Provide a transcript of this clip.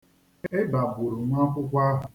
̣Iba gburu nwa akwụkwọ ahụ.